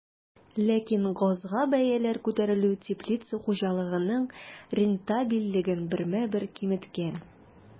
Ләкин газга бәяләр күтәрелү теплица хуҗалыгының рентабельлеген бермә-бер киметкән.